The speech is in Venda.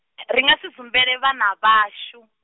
ri nga si dzumbele vhana vhashu.